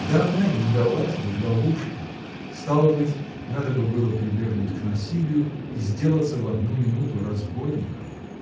Да она и не далась бы в ловушку — стало быть, надо бы было прибегнуть к насилию и сделаться в одну минуту разбойником.